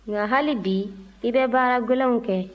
nka hali bi i bɛ baara gɛlɛnw kɛ